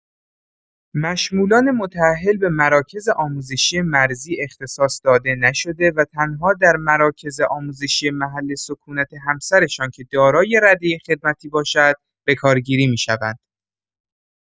مشمولان متاهل به مراکز آموزشی مرزی اختصاص داده نشده و تنها در مراکز آموزشی محل سکونت همسرشان که دارای رده خدمتی باشد بکارگیری می‌شوند.